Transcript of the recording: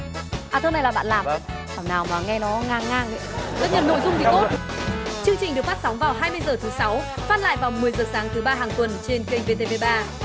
à thơ này là bạn làm ạ thảo nào mà nghe nó ngang ngang ý tất nhiên là nội dung thì tốt chương trình được phát sóng vào hai mươi giờ thứ sáu phát lại vào mười giờ sáng thứ ba hằng tuần trên kênh vê tê vê ba